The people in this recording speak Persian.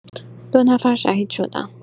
دو نفر شهید شدن.